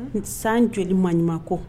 San joli manɲuman kɔ?